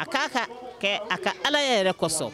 A k'a ka kɛ a ka Alaya yɛrɛ kɔsɔn